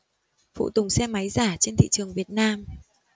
phụ tùng xe máy giả trên thị trường việt nam